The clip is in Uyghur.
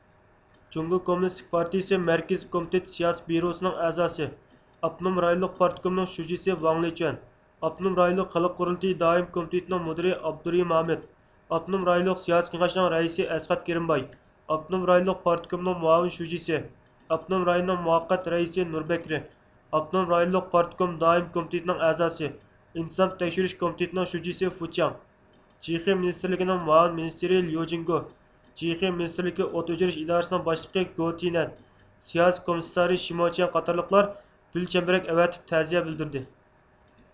جۇڭگو كوممۇنىستىك پارتىيىسى مەركىزى كومىتېت سىياسىي بىيۇروسىنىڭ ئەزاسى ئاپتونوم رايونلۇق پارتكومنىڭ شۇجىسى ۋاڭ لېچۈەن ئاپتونوم رايونلۇق خەلق قۇرۇلتىيى دائىمىي كومىتېتىنىڭ مۇدىرى ئابدۇرېھىم ھامىد ئاپتونوم رايونلۇق سىياسىي كېڭەشنىڭ رەئىسى ئەسقەت كىرىمباي ئاپتونوم رايونلۇق پارتكومنىڭ مۇئاۋىن شۇجىسى ئاپتونوم رايوننىڭ مۇۋەققەت رەئىسى نۇر بەكرى ئاپتونوم رايونلۇق پارتكوم دائىمىي كومىتېتىنىڭ ئەزاسى ئىنتىزام تەكشۈرۈش كومىتېتىنىڭ شۇجىسى فۇ چياڭ جې خې مىنىستىرلىكىنىڭ مۇئاۋىن مىنىستىرى ليۇجىنگو جې خې مىنىستىرلىكى ئوت ئۆچۈرۈش ئىدارىسىنىڭ باشلىقى گو تيېنەن سىياسىي كومىسسارى شېموچيەن قاتارلىقلار گۈل چەمبىرەك ئەۋەتىپ تەزىيە بىلدۈردى